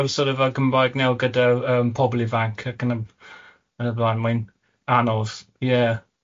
sor' of yy Cymraeg naw' gyda'r yym pobl ifanc ac yn ym- yn y blaen, mae'n anodd. Ie.